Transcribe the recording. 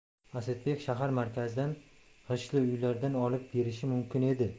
asadbek shahar markazidan g'ishtli uylardan olib berishi mumkin edi